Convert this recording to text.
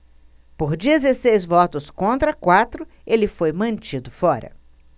por dezesseis votos contra quatro ele foi mantido fora